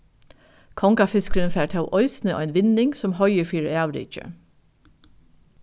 kongafiskurin fær tó eisini ein vinning sum heiður fyri avrikið